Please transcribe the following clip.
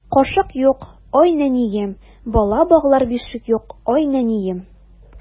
Кашык юк, ай нәнием, Бала баглар бишек юк, ай нәнием.